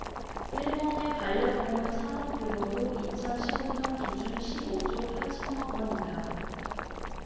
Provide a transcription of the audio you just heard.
일본의 반려동물 산업 규모도 이천 십 오 년 기준 십 오 조 팔천 억 원이다